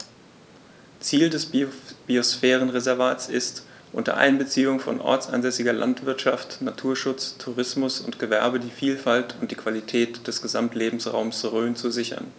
Ziel dieses Biosphärenreservates ist, unter Einbeziehung von ortsansässiger Landwirtschaft, Naturschutz, Tourismus und Gewerbe die Vielfalt und die Qualität des Gesamtlebensraumes Rhön zu sichern.